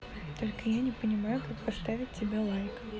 только я не понимаю как поставить тебе лайк